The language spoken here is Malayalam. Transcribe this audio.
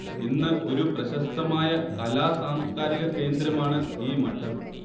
ഇന്ന് ഒരു പ്രശസ്തമായ കലാ സാംസ്കാരിക കേന്ദ്രമാണ് ഈ മഠം